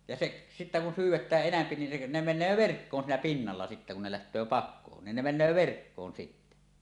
ja se sitten kun syvennetään enempi niin se ne menee verkkoon siinä pinnalla sitten kun ne lähtee pakoon niin ne menee verkkoon sitten